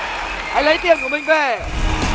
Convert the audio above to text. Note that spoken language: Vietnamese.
hãy lấy tiền của mình về